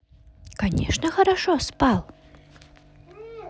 конечно хорошо спал